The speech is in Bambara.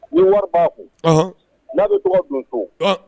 Ni wari b' kun' bɛ tɔgɔ min ko